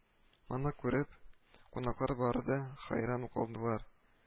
Моны күреп, кунаклар бары да хәйран калдылар